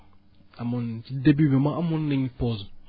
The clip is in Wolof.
amoon ci début bi ma amoon nañ pause